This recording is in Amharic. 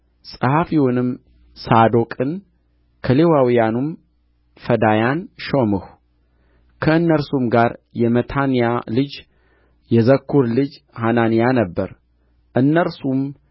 ጸሐፊውንም ሳዶቅን ከሌዋውያኑም ፈዳያን ሾምሁ ከእነርሱም ጋር የመታንያ ልጅ የዘኩር ልጅ ሐናን ነበረ እነርሱም